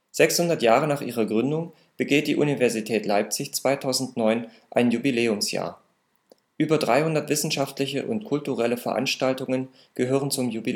600 Jahre nach ihrer Gründung, begeht die Universität Leipzig 2009 ein Jubiläumsjahr. Über 300 wissenschaftliche und kulturelle Veranstaltungen gehören zum Jubiläumsprogramm. Die